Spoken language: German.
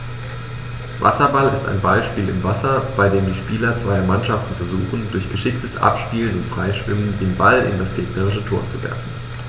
Wasserball ist ein Ballspiel im Wasser, bei dem die Spieler zweier Mannschaften versuchen, durch geschicktes Abspielen und Freischwimmen den Ball in das gegnerische Tor zu werfen.